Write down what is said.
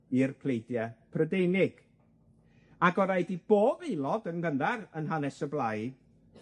i'r pleidie Prydeinig ac o' raid i bob aelod yn gynnar yn hanes y blaid